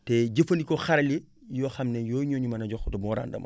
te jëfandikoo xaral yi yoo xam ne yooyu ñoo ñu mën a jox de bon rendement